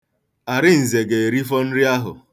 Arinze ga-erifo nri ahụ.